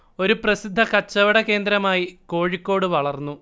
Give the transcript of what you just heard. ഒരു പ്രസിദ്ധ കച്ചവട കേന്ദ്രമായി കോഴിക്കോട് വളർന്നു